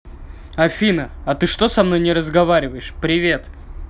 афина а ты что со мной не разговариваешь привет